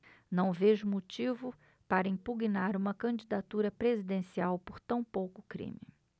não vejo motivo para impugnar uma candidatura presidencial por tão pouco crime